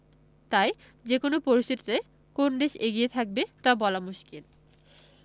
তাই যেকোনো পরিস্থিতিতে কোন দেশ এগিয়ে থাকবে তা বলা মুশকিল